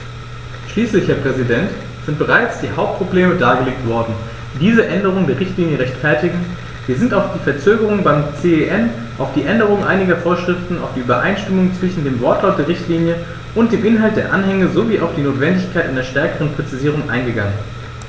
Schließlich, Herr Präsident, sind bereits die Hauptprobleme dargelegt worden, die diese Änderung der Richtlinie rechtfertigen, wir sind auf die Verzögerung beim CEN, auf die Änderung einiger Vorschriften, auf die Übereinstimmung zwischen dem Wortlaut der Richtlinie und dem Inhalt der Anhänge sowie auf die Notwendigkeit einer stärkeren Präzisierung eingegangen.